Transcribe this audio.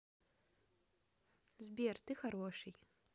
сбер ты хороший